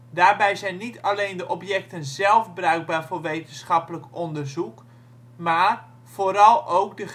Daarbij zijn niet alleen de objecten zelf bruikbaar voor wetenschappelijk onderzoek, maar (vooral) ook